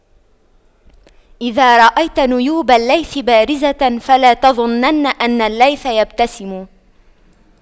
إذا رأيت نيوب الليث بارزة فلا تظنن أن الليث يبتسم